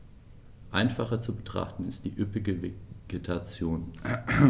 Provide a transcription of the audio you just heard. Einfacher zu betrachten ist die üppige Vegetation.